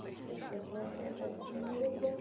Os ti isio ti'm yn gorfod wneud dim un o gwbl.